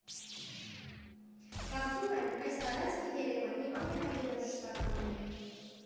Կարծում եմ՝ այս տարածքը Երևանի ամենաերաժշտականն է։